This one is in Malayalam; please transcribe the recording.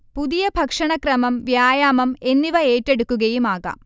പുതിയ ഭക്ഷണ ക്രമം, വ്യായാമം എന്നിവ ഏറ്റെടുക്കുകയുമാകാം